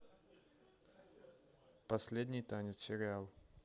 последний танец сериал